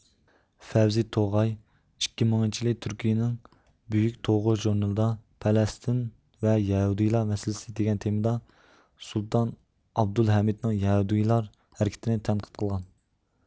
فەۋزى توغاي ئىككى مىڭىنچى يىلى تۈركىيىنىڭ بۈيۈك توغۇ ژۇرنىلىدا پەلەستىن ۋە يەھۇدىيلار مەسىلىسى دېگەن تېمىدا سۇلتان ئابدۇلھەمىدنىڭ يەھۇدىيلار ھەرىكىتىنى تەنقىد قىلغان